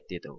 dedi u